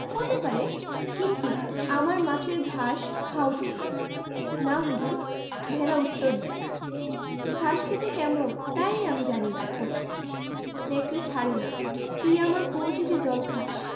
হতে পারে কিন্তু আমার মাঠের ঘাস খাও তুমি না হুজুর ভেড়া উত্তর দ্যায় ঘাস খেতে কেমন তাই আমি জানি না এখনো নেকড়ে ছাড়ে না তুই আমার কুয়ো থেকে জল খাস